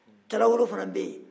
taarawele fana bɛ yen